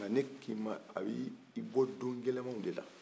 nka ne k'i ma a y'i bɔ don gɛlɛmanw la